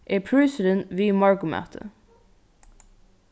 er prísurin við morgunmati